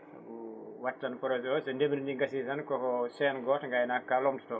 saabu waat tan projet o so ndemri ndi gaassi tan koko chaine goto gaynakaka lomtoto